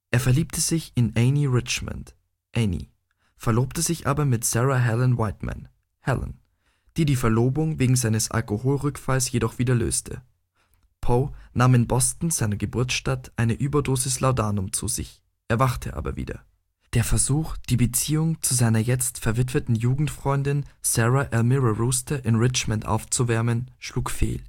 Er verliebte sich in Annie Richmond („ Annie “), verlobte sich aber mit Sarah Helen Whitman („ Helen “), die die Verlobung wegen eines Alkoholrückfalls jedoch wieder löste. Poe nahm in Boston, seiner Geburtsstadt, eine Überdosis Laudanum zu sich, erwachte aber wieder. Der Versuch, die Beziehung zu seiner jetzt verwitweten Jugendfreundin Sarah Elmira Royster in Richmond aufzuwärmen, schlug fehl